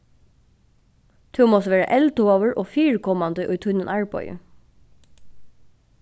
tú mást vera eldhugaður og fyrikomandi í tínum arbeiði